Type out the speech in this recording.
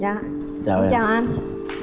dạ chào anh